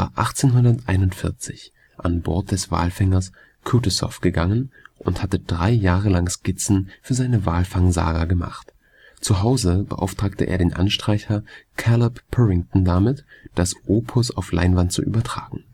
1841 an Bord des Walfängers Kutusoff gegangen und hatte drei Jahre lang Skizzen für seine Walfangsaga gemacht. Zu Hause beauftragte er den Anstreicher Caleb Purrington damit, das Opus auf Leinwand zu übertragen